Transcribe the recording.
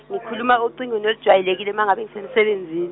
ngikhuluma ocingweni olujwayelekile mangabe ngisemsebenzini.